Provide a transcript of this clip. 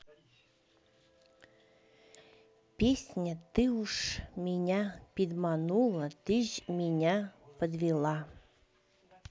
песня ты ж меня пидманула ты ж меня подвела